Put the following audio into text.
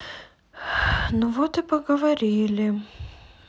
ну вот и поговорили